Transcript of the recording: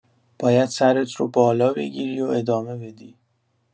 باید سرت رو بالا بگیری و ادامه بدی.